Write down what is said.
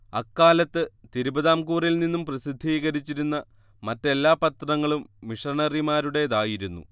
അക്കാലത്ത് തിരുവിതാംകൂറിൽ നിന്നും പ്രസിദ്ധീകരിച്ചിരുന്ന മറ്റെല്ലാ പത്രങ്ങളും മിഷണറിമാരുടേതായിരുന്നു